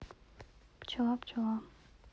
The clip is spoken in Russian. пчела пчела